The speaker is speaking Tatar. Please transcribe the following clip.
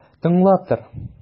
Тыңлап тор!